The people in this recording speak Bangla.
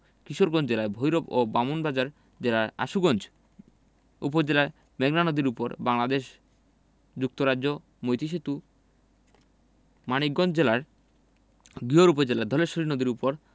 কিশোরগঞ্জ জেলার ভৈরব ও ব্রাহ্মণবাড়িয়া জেলার আশুগঞ্জ উপজেলায় মেঘনা নদীর উপর বাংলাদেশ যুক্তরাজ্য মৈত্রী সেতু মানিকগঞ্জ জেলার ঘিওর উপজেলায় ধলেশ্বরী নদীর উপর